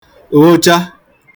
ghụcha